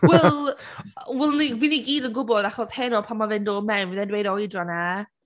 Wel, wel, bydd ni gyd yn gwybod achos heno pan mae fe’n dod mewn bydd e’n dweud oedran e.